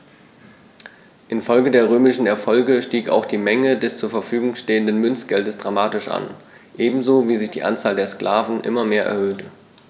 Infolge der römischen Erfolge stieg auch die Menge des zur Verfügung stehenden Münzgeldes dramatisch an, ebenso wie sich die Anzahl der Sklaven immer mehr erhöhte.